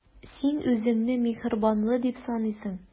Син үзеңне миһербанлы дип саныйсың.